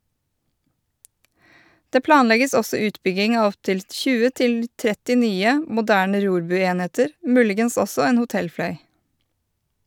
Det planlegges også utbygging av opptil 20 til 30 nye, moderne rorbuenheter, muligens også en hotellfløy.